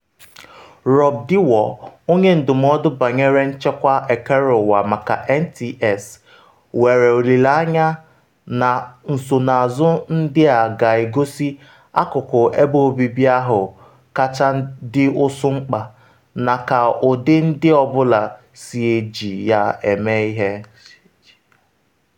Rob Dewar, onye ndụmọdụ banyere nchekwa ekereụwa maka NTS, nwere olile anya na nsonazụ ndị a ga-egosi akụkụ ebe obibi ahụ kacha dị ụsụ mkpa na ka ụdị nke ọ bụla si eji ya eme ihe.